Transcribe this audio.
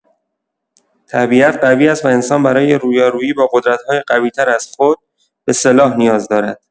طبیعت قوی است و انسان برای رویارویی با قدرت‌های قوی‌تر از خود، به سلاح نیاز دارد.